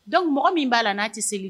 Dɔnkuc mɔgɔ min b'a n' a tɛ segin